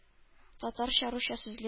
Татарча-русча сүзлек